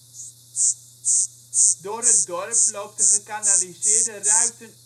Door het dorp loopt de gekanaliseerde Ruiten